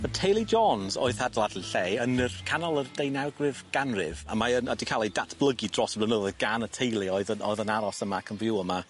Y teulu Jones oedd adeiladu'r lle yn yr canol yr deunawgrif ganrif a mae yn a 'di ca'l ei datblygu dros y blynyddoedd gan y teulu oedd yn o'dd yn aros yma ac yn fyw yma.